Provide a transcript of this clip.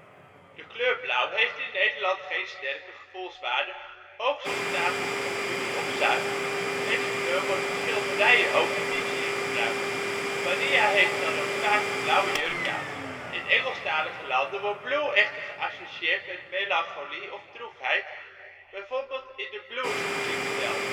kleur blauw heeft in Nederland geen sterke gevoelswaarde, hoogstens staat het voor puur of zuiver. Deze kleur wordt op schilderijen ook in die zin gebruikt. Maria heeft dan ook vaak een blauwe jurk aan. In Engelstalige landen wordt blue echter geassocieerd met melancholie of droefheid, bijvoorbeeld in de blues muziekstijl